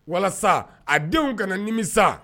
Walasa a denw kana nimisa